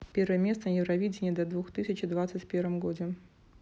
первое место на евровидении до двух тысячи двадцать первом годе